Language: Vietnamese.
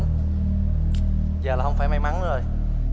giờ là không phải may mắn nữa rồi